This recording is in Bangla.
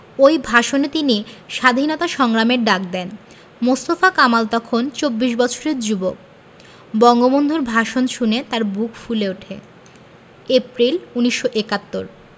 ওই ভাষণে তিনি স্বাধীনতা সংগ্রামের ডাক দেন মোস্তফা কামাল তখন চব্বিশ বছরের যুবক বঙ্গবন্ধুর ভাষণ শুনে তাঁর বুক ফুলে ওঠে এপ্রিল ১৯৭১